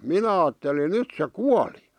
minä ajattelin nyt se kuoli